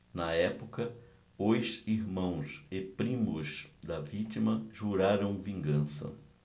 na época os irmãos e primos da vítima juraram vingança